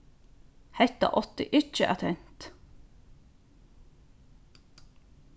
hetta átti ikki at hent